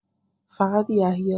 فقط یحیی